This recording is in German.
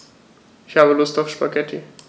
Ich habe Lust auf Spaghetti.